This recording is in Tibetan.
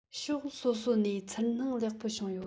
ཕྱོགས སོ སོ ནས ཚུར སྣང ལེགས པོ བྱུང ཡོད